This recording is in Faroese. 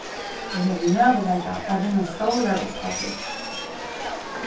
og hevur møguleika at vinna stórar upphæddir